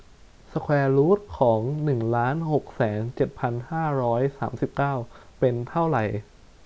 สแควร์รูทของหนึ่งล้านหกแสนเจ็ดพันห้าร้อยสามสิบเก้าเป็นเท่าไหร่